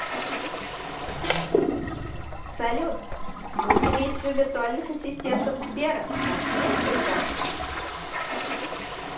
салют мы семейство виртуальных ассистентов сбера нас несколько